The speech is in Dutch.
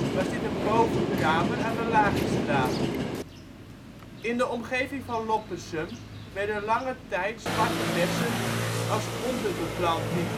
was dit een bovenkamer aan de Lagestraat. In de omgeving van Loppersum werden lange tijd zwarte bessen als onderbeplanting